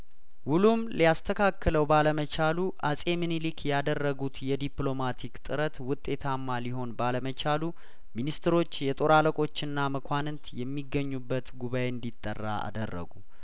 ውሉም ሊያስ ተካክለው ባለመቻሉ አጼምኒልክ ያደረጉት የዲፕሎማቲክ ጥረት ውጤታማ ሊሆን ባለመቻሉ ሚኒስትሮች የጦር አለቆችና መኳንንት የሚገኙበት ጉባኤ እንዲጠራ አደረጉ